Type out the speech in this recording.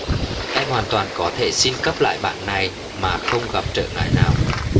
em hoàn toàn có thể xin cấp lại bản này mà không gặp trở ngại nào